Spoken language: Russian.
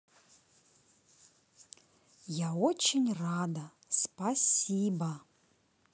я очень рада спасибо